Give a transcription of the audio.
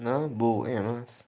na bu emas